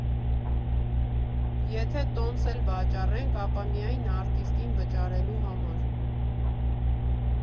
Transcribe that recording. Եթե տոմս էլ վաճառենք, ապա միայն արտիստին վճարելու համար։